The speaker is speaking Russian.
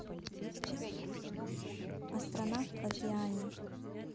астронавт в океане